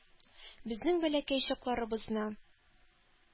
Безнең бәләкәй чакларыбызны.